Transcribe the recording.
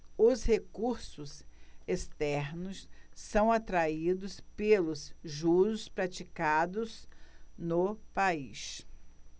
os recursos externos são atraídos pelos juros praticados no país